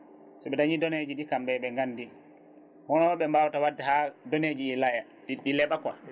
somi dañi donné ji ɗi kamɓe heeɓe gandi hono ɓe mbata wadde ha donné ji ɗi laaya ɗi ɗi leeɓa quoi